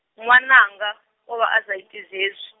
nwananga, o vha a sa iti hezwi.